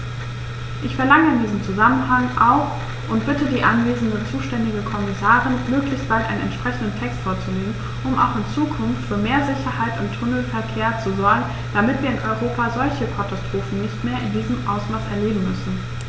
Ich verlange in diesem Zusammenhang auch und bitte die anwesende zuständige Kommissarin, möglichst bald einen entsprechenden Text vorzulegen, um auch in Zukunft für mehr Sicherheit im Tunnelverkehr zu sorgen, damit wir in Europa solche Katastrophen nicht mehr in diesem Ausmaß erleben müssen!